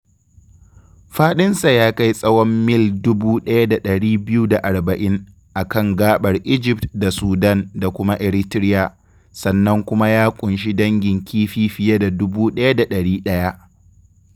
Faɗinsa ya kai tsawon mil 1,240 a kan gaɓar Egypt da Sudan da kuma Eritrea sannan kuma ya ƙunshi dangin kifi fiye da 1,100.